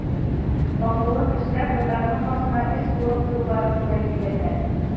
Акыллы кешеләр татарның башына гел сугып торуларын күрә килгәннәр.